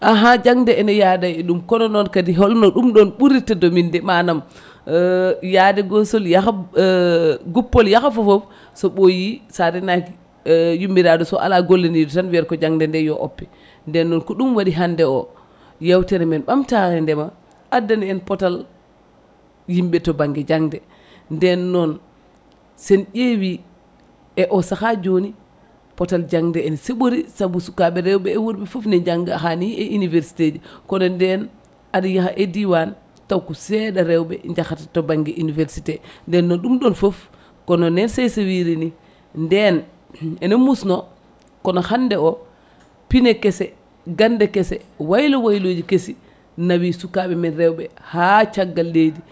ahan jangde ene yada e ɗum kono noon kadi holno ɗum ɗon ɓurirta domine de manam yaade gooslo yaha guppol yaaha fofoof so ɓopyi sa renaki yummiraɗo so ala gollaniɗo tan wiyata ko jangde nde yo oppe nden noon ko ɗum waɗi hande o yewtere men ɓamtare ndeema addani en pootal yimɓe to banggue jangde nden noon sen ƴewi e o saaha joni pootal jangde ene saɓori saabu sakaɓe rewɓe e worɓe foof ne jangga hani e université ji kono nden aɗa yaaha e diwan tawko seeɗa rewɓe jaahata to banggue université nden noon ɗum ɗon foof kono nen Seysa wiri ni nden ene musno kono hande o piine keese gande keese waylo waylo ji keesi nawi sukaɓe men rewɓe ha caggal leydi